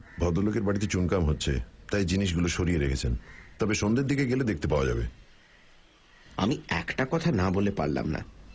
ভদ্রলোকের বাড়িতে চুনকাম হচ্ছে তাই জিনিসপত্রগুলো সরিয়ে রেখেছেন তবে সন্ধের দিকে গেলে দেখতে পাওয়া যাবে আমি একটা কথা না বলে পারলাম না